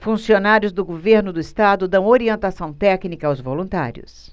funcionários do governo do estado dão orientação técnica aos voluntários